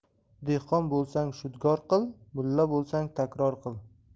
dehqon bo'lsang shudgor qil mulla bo'lsang takror qil